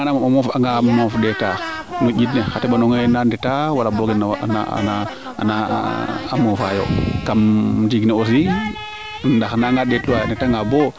bo xaye o moof anga moof ɗeeta no njiɗ ne xa teɓanongaxe na ndeta wala bo gen na moofa yo kam ndiing ne aussi ndax naanga ndeet luwa a ndeta nga bo